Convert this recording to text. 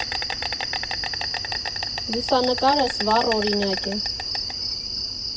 Լուսանկարս վառ օրինակ է.